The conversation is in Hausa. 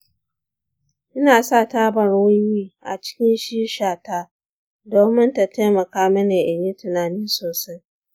ina sa tabar wiwi a cikin shisha ta domin ta taimaka mini in yi tunani sosai.